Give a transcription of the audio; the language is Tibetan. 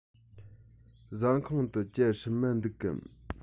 ཟ ཁང དུ ཇ སྲུབས མ འདུག གམ